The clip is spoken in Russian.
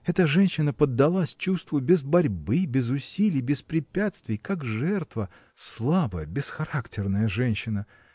Эта женщина поддалась чувству без борьбы без усилий без препятствий как жертва слабая, бесхарактерная женщина!